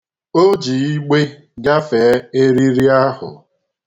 O ji igbe gafee eriri ahụ.